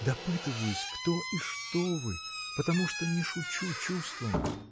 — Допытываюсь, кто и что вы, потому что не шучу чувством.